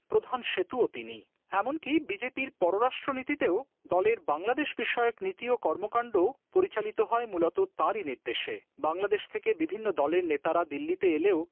প্রধান সেতু ও তিনি এমনকি বিজেপির পররাষ্ট্রনীতিতে ও দলের বিষয়ক নীতি ও কর্মকান্ড পরিচালিত হয় মূলত তারই নির্দেশে বাংলাদেশ থেকে বিভিন্ন দলের নেতারা দিল্লিতে এলেও